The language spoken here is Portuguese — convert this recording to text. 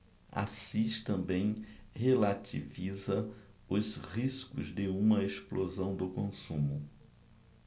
assis também relativiza os riscos de uma explosão do consumo